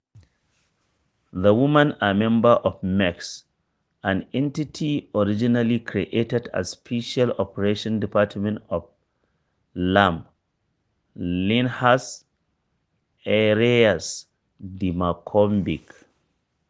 The women are members of MEX, an entity originally created as the Special Operations Department of LAM — Linhas Aéreas de Moçambique.